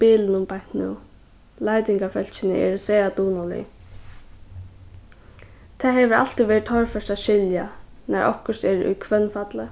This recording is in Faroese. bilinum beint nú leitingarfólkini eru sera dugnalig tað hevur altíð verið torført at skilja nær okkurt er í hvønnfalli